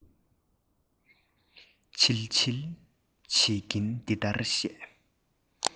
བྱིལ བྱིལ བྱེད ཀྱིན འདི ལྟར བཤད